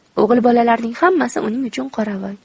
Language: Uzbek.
o'g'il bolalarning hammasi uning uchun qoravoy